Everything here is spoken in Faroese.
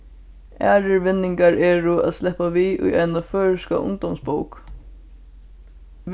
aðrir vinningar eru at sleppa við í eina føroyska ungdómsbók